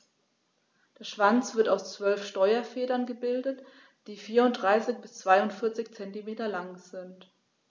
Der Schwanz wird aus 12 Steuerfedern gebildet, die 34 bis 42 cm lang sind.